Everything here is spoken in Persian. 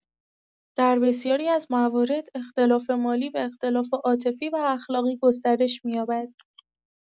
در بسیاری از موارد، اختلافات مالی به اختلافات عاطفی و اخلاقی گسترش می‌یابد.